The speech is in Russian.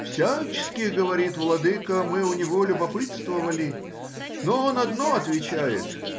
— Всячески,— говорит,— владыко, мы у него любопытствовали, но он одно отвечает